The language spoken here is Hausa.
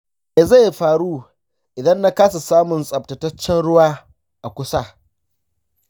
me zai faru idan na kasa samun tsaftataccen ruwa a kusa?